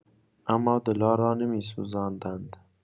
اما دلار را نمی‌سوزاندند.